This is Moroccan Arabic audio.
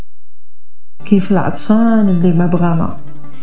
كيف اعرف ان الببغاء